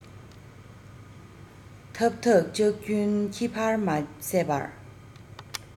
འཐབ འཐབ ལྕག རྒྱུན ཁྱི ཁར མ ཟད པར